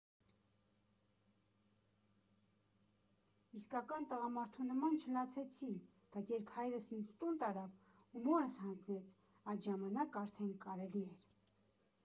Իսկական տղամարդու նման չլացեցի, բայց երբ հայրս ինձ տուն տարավ ու մորս հանձնեց, այդ ժամանակ արդեն կարելի էր։